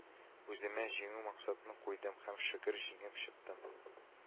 Үземә җиңү максатын куйдым һәм, шөкер, җиңеп чыктым